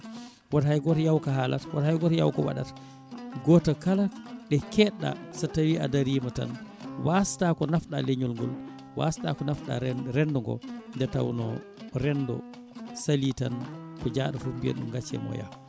woto hay goto yaawo ko haalata woto hay goto yaawo ko waɗata goto kala ɗo keɗɗa so tawi a daarima tan wasta ko nafɗa leeñol ngol wasta ko nafɗa rendogo nde tawno rendo saali tan ko jaaɗo foof mbiyen ɗum gaccemo o yaaha